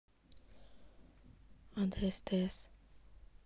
а да стс